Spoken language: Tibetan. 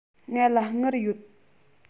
ང ལ དངུལ ཡོད